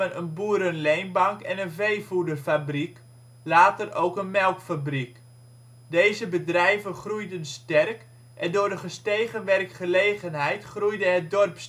een boerenleenbank en een veevoederfabriek, later ook een melkfabriek. Deze bedrijven groeiden sterk en door de gestegen werkgelegenheid groeide het dorp